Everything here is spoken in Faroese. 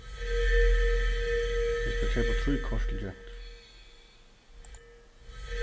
eg skal keypa trý kort til gentur